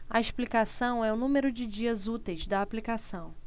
a explicação é o número de dias úteis da aplicação